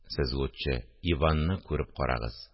– сез лутчы иванны күреп карагыз